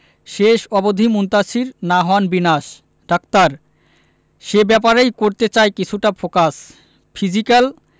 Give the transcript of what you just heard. শেষ অবধি মুনতাসীর না হন বিনাশ ডাক্তার সে ব্যাপারেই করতে চাই কিছুটা ফোকাস ফিজিক্যাল